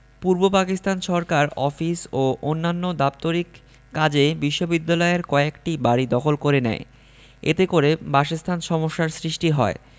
পূর্ব পাকিস্তান সরকার অফিস ও অন্যান্য দাপ্তরিক কাজে বিশ্ববিদ্যালয়ের কয়েকটি বাড়ি দখল করে নেয় এতে করে বাসস্থান সমস্যার সৃষ্টি হয়